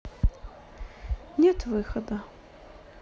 нет выхода